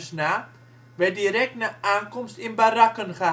na, werd direct na aankomst in barakken gehuisvest